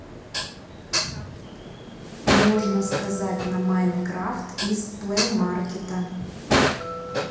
можно сказать на minecraft из плеймаркета